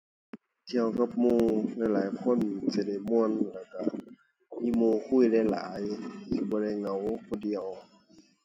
เกี่ยวกับหมู่หลายหลายคนสิได้ม่วน แล้วก็มีหมู่คุยหลายหลายสิบ่ได้เหงาผู้เดียว